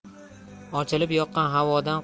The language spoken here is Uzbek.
ochilib yoqqan havodan